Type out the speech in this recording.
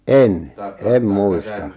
en en muista